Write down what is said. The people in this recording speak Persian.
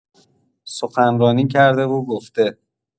سخنرانی کرده و گفته